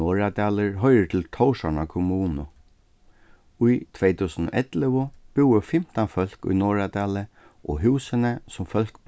norðradalur hoyrir til tórshavnar kommunu í tvey túsund og ellivu búðu fimtan fólk í norðradali og húsini sum fólk